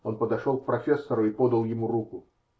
Он подошел к профессору и подал ему руку.